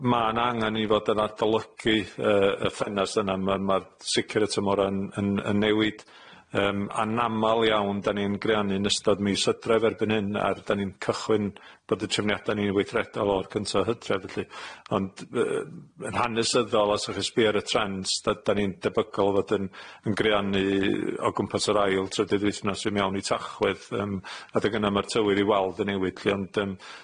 ma' 'na angan i fod yn adolygu yy y ffenast yna ma' ma'n sicir y tymhora'n yn yn newid yym anamal iawn 'dan ni'n greanu yn ystod mis Hydref erbyn hyn a 'dan ni'n cychwyn bod y trefniada ni'n weithredol o'r cynta Hydref felly ond yy yn hanesyddol os 'dach chi'n sbio ar y trends da- 'dan ni'n debygol o fod yn yn greanu o gwmpas yr ail trydydd wythnos i mewn i Tachwedd yym adeg yna ma'r tywydd i weld yn newid lly ond yym